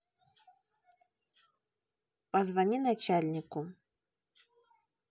позвони начальнику